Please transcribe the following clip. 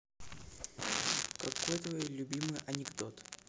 какой твой любимый анекдот